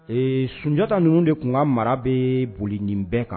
Ee sunjatadita ninnu de tun ka mara bɛ boli nin bɛɛ kan